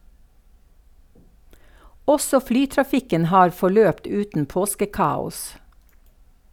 Også flytrafikken har forløpt uten påskekaos.